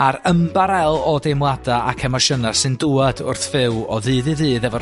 a'r ymbarél o deimladau ac emosiyna sy'n dŵad wrth fyw o ddydd i ddydd efo'r